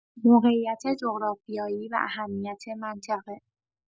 موقعیت جغرافیایی و اهمیت منطقه